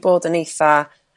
bod yn eitha'